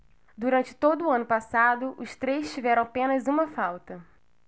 durante todo o ano passado os três tiveram apenas uma falta